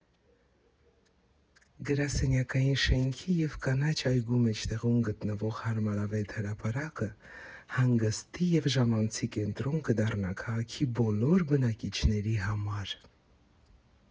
Գրասենյակային շենքի և կանաչ այգու մեջտեղում գտնվող հարմարավետ հրապարակը հանգստի և ժամանցի կենտրոն կդառնա քաղաքի բոլոր բնակիչների համար։